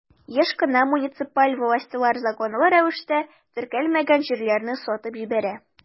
Еш кына муниципаль властьлар законлы рәвештә теркәлмәгән җирләрне сатып җибәрә.